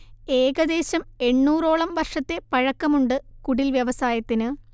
ഏകദേശം എണ്ണൂറോളം വർഷത്തെ പഴക്കമുണ്ട് കുടിൽവ്യവസായത്തിന്